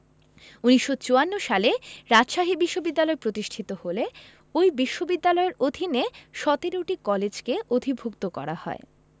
১৯৫৪ সালে রাজশাহী বিশ্ববিদ্যালয় প্রতিষ্ঠিত হলে ওই বিশ্ববিদ্যালয়ের অধীনে ১৭টি কলেজকে অধিভুক্ত করা হয়